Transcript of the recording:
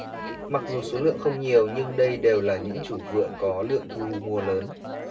mặc dù số lượng không nhiều nhưng đây đều là những chủ vựa có lượng thu mua lớn